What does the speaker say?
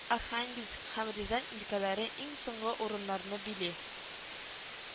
Архангельск һәм Рязань өлкәләре иң соңгы урыннарны били